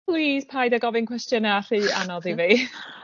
plîs paid â gofyn cwestiyna rhy anodd i fi